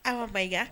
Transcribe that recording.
Awa Mayiga